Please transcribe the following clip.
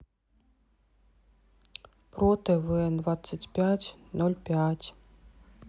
про тв двадцать пять ноль пять